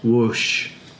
Whoosh.